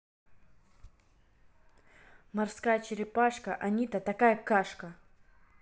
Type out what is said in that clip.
морская черепашка анита такая кашка